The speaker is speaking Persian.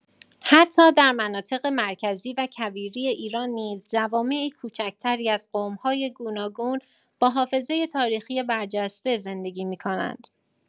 حتی در مناطق مرکزی و کویری ایران نیز جوامع کوچک‌تری از قوم‌های گوناگون با حافظه تاریخی برجسته زندگی می‌کنند.